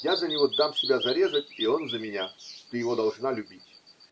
я за него дам себя зарезать, и он за меня. Ты его должна любить.